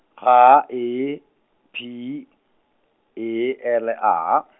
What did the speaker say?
G E P E L E A.